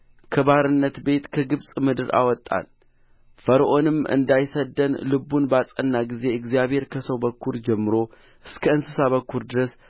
ከባርነት ቤት ከግብፅ ምድር አወጣን ፈርዖንም እንዳይሰድደን ልቡን ባጸና ጊዜ እግዚአብሔር ከሰው በኵር ጀምሮ እስከ እንስሳ በኵር ድረስ